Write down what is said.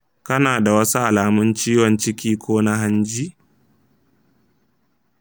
kana da wasu alamun ciwon ciki ko na hanji?